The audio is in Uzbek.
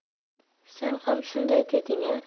sen ham shunday deding a